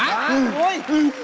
thôi thôi